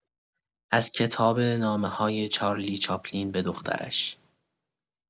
از کتاب نامه‌های چارلی چاپلین به دخترش